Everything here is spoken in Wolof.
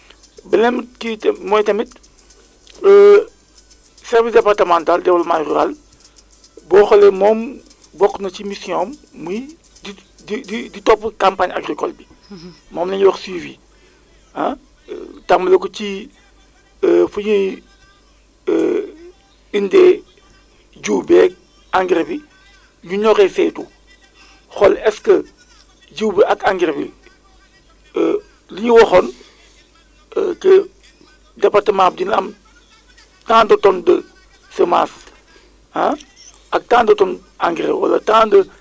boobu moom moo leen di arrangé parfopis mooy variété active bi ñuy wax ay 55 437 ñu koy yóbbu souvent zone nu Niakhare Dia Diakha et cetera xam nga lu ma wax mais côté yi nga xamante ne bi c' est des zones humides dégg nga foofu variété 55 437 bi baaxu fa parce que li tax baaxu fa moom mooy boo ko fa jiwee li ma la doon wax sànq moom moo lay nar a dal da nga ko fay jiw mu kii à maturité ndox bi continué taw su boobaa produit bi ci boppam dafay nëb su ko defee léegi foofu li ñu fay soxla moom mooy variété yi nga xamante ne bi dafay gudd yi nga xamante ne dafay def au moins quatre mois ci suuf en général yooyu la gars yi di jiw mooy yiñ jiw ci côté ay département Fimela xëy kii ko arrondissement Fimela